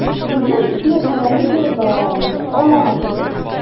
Безнең иске язмаларны биреп баралар ансы, Аллага шөкер.